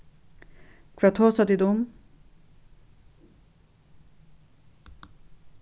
hvat tosa tit um